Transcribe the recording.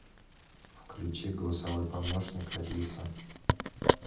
включи голосовой помощник алиса